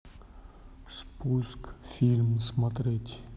спуск фильм смотреть